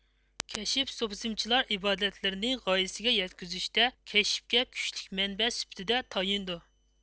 كەشىف سۇپىزمچىلار ئىبادەتلىرىنى غايىسىگە يەتكۈزۈشتە كەشفكە كۈچلۈك مەنبە سۈپىتىدە تايىنىدۇ